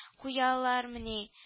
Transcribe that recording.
Куялармыни